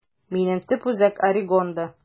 Минем төп үзәк Орегонда.